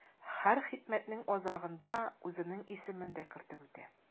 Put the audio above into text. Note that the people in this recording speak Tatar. Һәр хикмәтнең азагында үзенең исемен дә кертеп үтә.